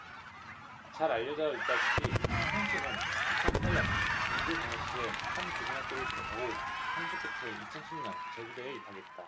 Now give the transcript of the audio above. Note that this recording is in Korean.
잘 알려져 있다시피 송씨는 이천 팔 년 광주광역시의 한 고등학교를 졸업하고 삼 수 끝에 이천 십 년 제주대에 입학했다